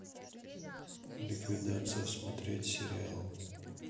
ликвидация смотреть сериал